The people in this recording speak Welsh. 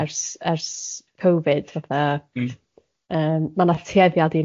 ...ers ers Covid fatha... Mm. ...yym ma' na tueddiad i wneud mwy